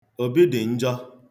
Obi dị njọ.